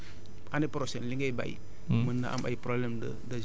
te bu boobaa année prochaine li ngay bay